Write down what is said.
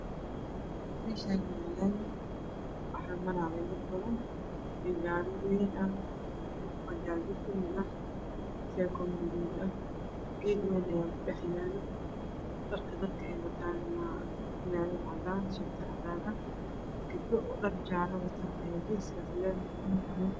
Meshan waa Laami waxa maraya dadbadan iyo gaariwen ah bajajyo balugah fekon gaduud ah geedwen ah ayaakudhaxyaalo dharkadadka aywatan waa fananadcadan shaticadanah gebdhoay dhar jale ah geskas Lamiga ah goy naya